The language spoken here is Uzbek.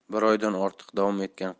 bir oydan ortiq davom etgan